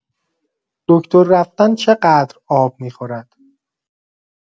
دکتر رفتن چقدر آب می‌خورد؟